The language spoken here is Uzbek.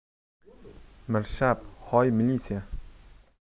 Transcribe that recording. mirshab hoy milisiya